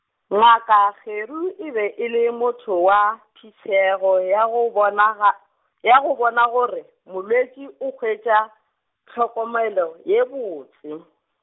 ngaka Kgeru e be e le motho wa phišego ya go bona ga, ya go bona gore, molwetši o hwetša, tlhokomelo ye botse.